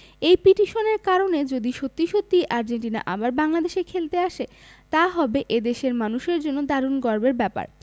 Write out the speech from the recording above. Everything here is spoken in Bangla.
এই পিটিশনের কারণে যদি সত্যি সত্যিই আর্জেন্টিনা আবার বাংলাদেশে খেলতে আসে তা হবে এ দেশের মানুষের জন্য দারুণ গর্বের ব্যাপার